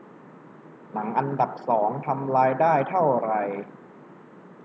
หนังอันดับสองทำรายได้เท่าไหร่